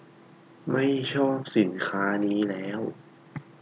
ไม่ชอบสินค้านี้แล้ว